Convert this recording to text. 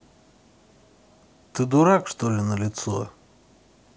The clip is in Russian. ты дурак что ли лицо